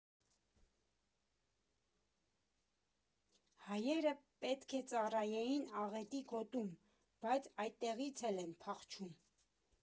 Հայերը պետք է ծառայեին աղետի գոտում, բայց այդտեղից էլ են փախչում։